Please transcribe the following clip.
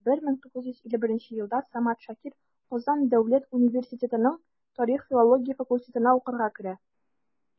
1951 елда самат шакир казан дәүләт университетының тарих-филология факультетына укырга керә.